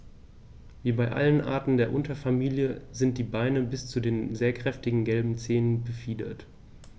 Wie bei allen Arten der Unterfamilie sind die Beine bis zu den sehr kräftigen gelben Zehen befiedert.